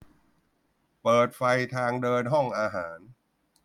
เปิดไฟทางเดินห้องอาหาร